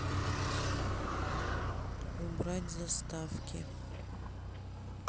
убрать заставки